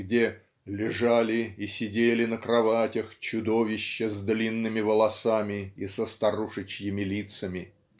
где "лежали и сидели на кроватях чудовища с длинными волосами и со старушечьими лицами"